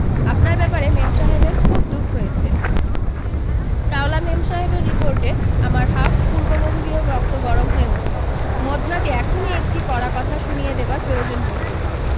আপনার ব্যাপারে মেমসাহেবের খুব দুখ হয়েছে চাওলা মেমসাহেবের রিপোর্টে আমার হাফ পূর্ববঙ্গীয় রক্ত গরম হয়ে উঠলো মদনাকে এখনি একটি কড়া কথা শুনিয়ে দেবার প্রয়োজন বোধ করছি